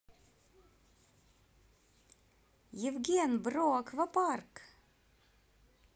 евген бро аквапарк